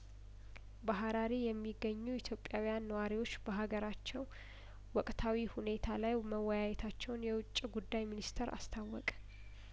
በሀራሪ የሚገኙ ኢትዮጵያዊያን ነዋሪዎች በሀገራቸው ወቅታዊ ሁኔታ ላይ መወያየታቸውን የውጭ ጉዳይ ሚኒስተር አስታወቀ